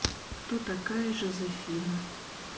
кто такая жозефина